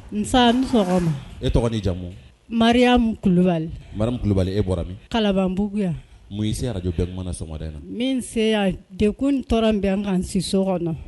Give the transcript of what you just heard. Kulubali kulubali e bɔra kalabanbugu yanj min yan de ko tɔɔrɔ bɛ ka si so kɔnɔ